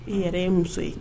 E yɛrɛ ye muso ye